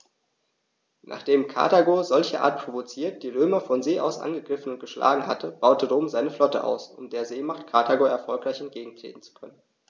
Nachdem Karthago, solcherart provoziert, die Römer von See aus angegriffen und geschlagen hatte, baute Rom seine Flotte aus, um der Seemacht Karthago erfolgreich entgegentreten zu können.